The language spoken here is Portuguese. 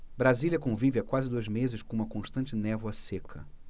brasília convive há quase dois meses com uma constante névoa seca